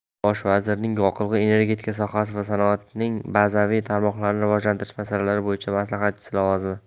bosh vazirning yoqilg'i energetika sohasi va sanoatning bazaviy tarmoqlarini rivojlantirish masalalari bo'yicha maslahatchisi lavozimi